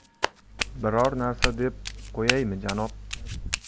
biror narsa deb qo'yaymi janob